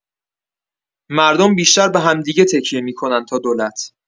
مردم بیشتر به همدیگه تکیه می‌کنن تا دولت.